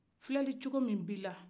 filɛli cogo min b'i la